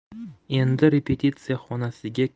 endi repetitsiya xonasiga